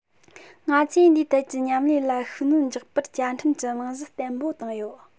ང ཚོས འདིའི ཐད ཀྱི མཉམ ལས ལ ཤུགས སྣོན རྒྱག པར བཅའ ཁྲིམས ཀྱི རྨང གཞི བརྟན པོ བཏིང ཡོད